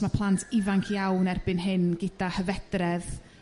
ma' plant ifanc iawn erbyn hyn gyda hyfedredd